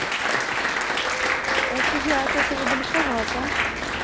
это я от этого далековато